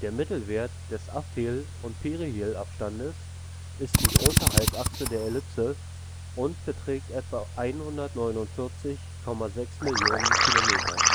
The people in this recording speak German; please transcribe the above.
Mittelwert des Aphel - und Perihelabstandes ist die große Halbachse der Ellipse und beträgt etwa 149,6 Mio. km